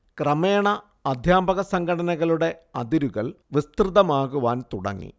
ക്രമേണ അധ്യാപകസംഘടനകളുടെ അതിരുകൾ വിസ്തൃതമാകുവാൻ തുടങ്ങി